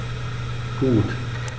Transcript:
Gut.